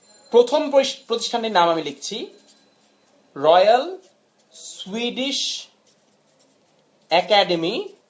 প্রথম প্রতিষ্ঠানের নাম আমি লিখছি রয়েল সুইডিশ অ্যাক্যাডেমি